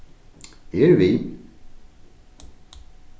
eg eri við